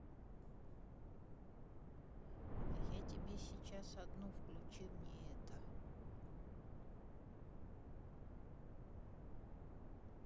я тебе сейчас одну включи мне это